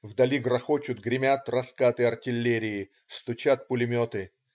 Вдали грохочут, гремят раскаты артиллерии, стучат пулеметы.